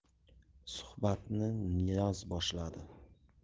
suhbatni niyoz boshladi